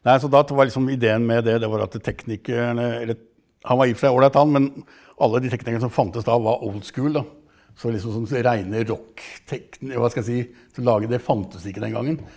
nei så da var liksom ideen med det var at teknikerne eller han var i å for seg ålreit han, men alle de teknikerne som fantes da var da så liksom sånn reine hva skal jeg si som det fantes ikke den gangen.